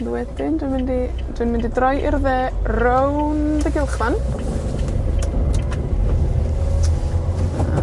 A wedyn, dwi mynd, dwi'n mynd i droi i'r dde rownd y gylchfan.